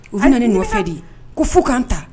U nɔfɛ de ko fo ka ta